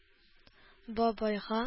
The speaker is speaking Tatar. Бабайга